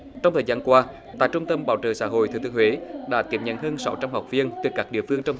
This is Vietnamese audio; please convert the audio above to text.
trong thời gian qua tại trung tâm bảo trợ xã hội thừa thiên huế đã tiếp nhận hơn sáu trăm học viên từ các địa phương trong